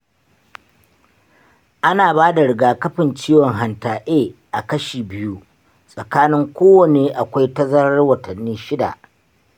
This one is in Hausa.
ana ba da rigakafin ciwon hanta a a kashi biyu, tsakanin kowanne akwai tazarar watanni shida.